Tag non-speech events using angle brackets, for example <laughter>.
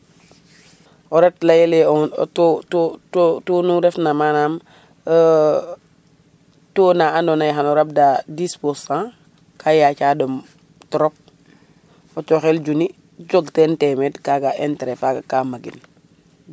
o ret leyele o taux taux nu ref na manaam <hesitation> taux na ando naye xano rab da 10% ka yaca ɗom trop o coxel juni cog ten temen kaga interet faga ka magin